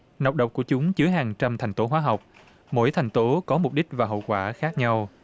nọc độc của chúng chứa hàng trăm thành tố hóa học mỗi thành tố có mục đích và hậu quả khác nhau